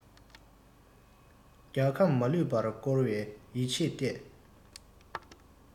རྒྱལ ཁམས མ ལུས པར བསྐོར བའི ཡིད ཆེས བརྟས